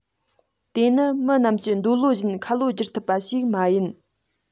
དེ ནི མི རྣམས ཀྱི འདོད བློ བཞིན ཁ ལོ བསྒྱུར ཐུབ པ ཞིག མ ཡིན